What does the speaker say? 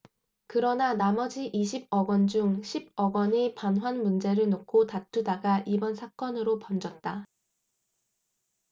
그러나 나머지 이십 억원 중 십 억원의 반환 문제를 놓고 다투다가 이번 사건으로 번졌다